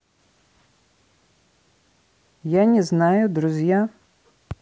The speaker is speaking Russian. я не знаю друзья